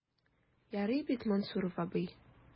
Ярый бит, Мансуров абый?